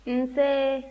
nse